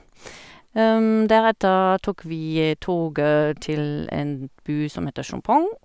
Deretter tok vi toget til en by som heter Chumphon.